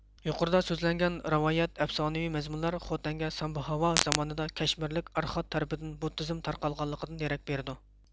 يۇقىرىدا سۆزلەنگەن رىۋايەت ئەپسانىۋى مەزمۇنلار خوتەنگە سامبھاۋا زامانىدا كەشمىرلىك ئارخات تەرىپىدىن بۇددىزم تارقالغانلىقىدىن دېرەك بېرىدۇ